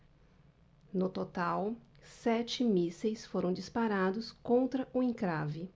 no total sete mísseis foram disparados contra o encrave